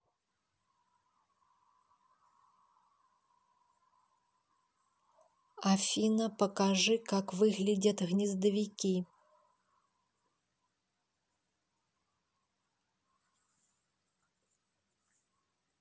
афина покажи как выглядят гнездовики